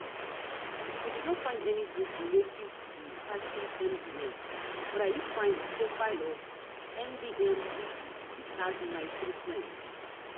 I did not find any group relative to the Party MDM, but I did find the profile of MDMWIKI, which has 19 friends.